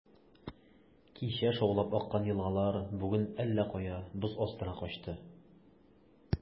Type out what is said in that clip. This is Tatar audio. Кичә шаулап аккан елгалар бүген әллә кая, боз астына качты.